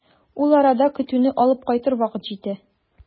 Ул арада көтүне алып кайтыр вакыт җитә.